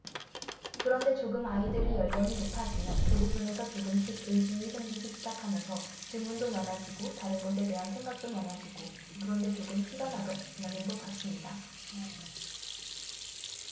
그런데 조금 아이들이 연령이 높아지면 그 부분에서 조금씩 의심이 생기기 시작하면서 질문도 많아지고 다른 것에 대한 생각도 많아지고 그런 게 조금 티가 나는 것 같습니다